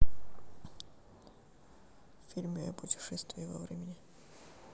фильмы о путешествии во времени